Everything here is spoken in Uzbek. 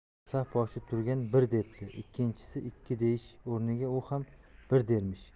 saf boshida turgani bir debdi ikkinchisi ikki deyish o'rniga u ham bir dermish